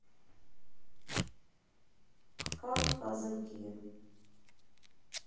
как казаки